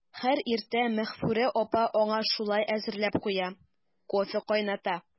Һәр иртә Мәгъфүрә апа аңа шулай әзерләп куя, кофе кайната.